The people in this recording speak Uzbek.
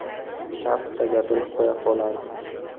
shartta gapirib qo'ya qolar edi